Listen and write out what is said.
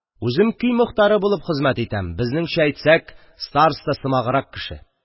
Үзем көй мохтары булып хезмәт итәм, безнеңчә әйтсәк – староста сымаграк кеше.